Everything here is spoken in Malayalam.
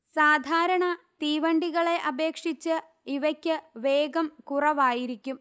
സാധാരണ തീവണ്ടികളെ അപേക്ഷിച്ച് ഇവക്ക് വേഗം കുറവായിരിക്കും